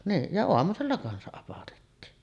niin ja aamusella kanssa apatettiin